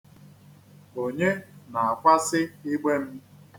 Onye na-akwasị igbe m?